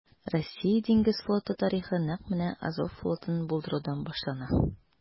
Россия диңгез флоты тарихы нәкъ менә Азов флотын булдырудан башлана.